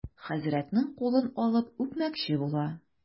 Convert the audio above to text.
Хәзрәтнең кулын алып үпмәкче була.